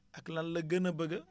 ak lan la gën a bëgg